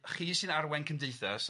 chi sy'n arwain cymdeithas... Ia...